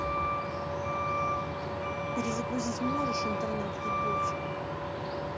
перезагрузить можешь интернет ебучий